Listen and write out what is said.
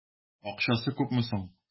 Акчасы күпме соң?